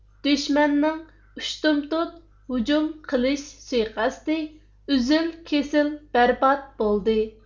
دۈشمەننىڭ ئۇشتۇمتۇت ھۇجۇم قىلىش سۇيىقەستى ئۈزۈل كېسىل بەربات بولدى